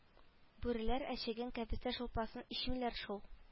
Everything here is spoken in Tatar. Бүреләр әчегән кәбестә шулпасын эчмиләр шул